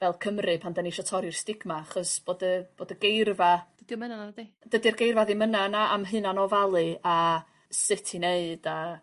fel Cymry pan 'dan ni isio torri'r stigma 'chos bod y bod y geirfa 'di o'm yn nadi? Dydi'r geirfa ddim yna na am hunan ofalu a sut i neud a